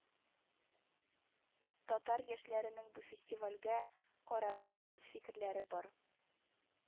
Татар яшьләренең бу фестивальгә карата үз фикерләре бар